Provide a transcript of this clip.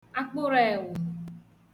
akpụrụ ẹwụ̀